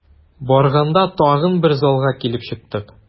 Барганда тагын бер залга килеп чыктык.